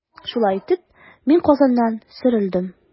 Шулай итеп, мин Казаннан сөрелдем.